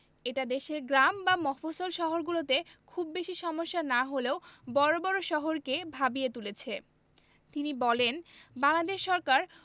এটা দেশের গ্রাম বা মফস্বল শহরগুলোতে খুব বেশি সমস্যা না হলেও বড় বড় শহরকে ভাবিয়ে তুলেছে তিনি বলেন বাংলাদেশ সরকার